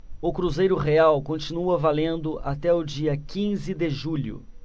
o cruzeiro real continua valendo até o dia quinze de julho